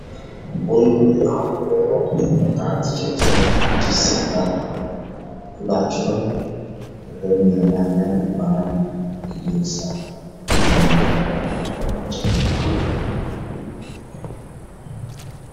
Ul Cambuuulo iyo jabaati jar jarn oo digsi cagaar ah ku jiroWaxuuna yalaa meel banaan ah